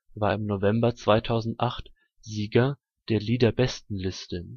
war im November 2008 Sieger der Liederbestenliste